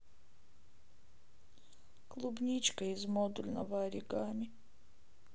клубничка из модульного оригами